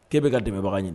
K'e bɛ ka dɛmɛbaga ɲini